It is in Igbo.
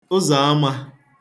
ụzọ̀amā